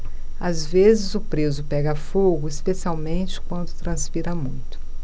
às vezes o preso pega fogo especialmente quando transpira muito